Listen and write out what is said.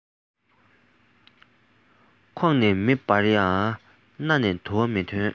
ཁོག ནས མེ འབར ཡང སྣ ནས དུ བ མི ཐོན